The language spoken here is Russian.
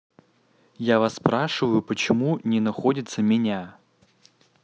я вас спрашиваю почему не находится меня